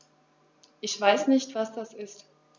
Ich weiß nicht, was das ist.